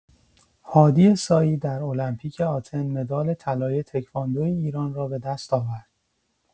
هادی ساعی در المپیک آتن مدال طلای تکواندو ایران را به دست آورد.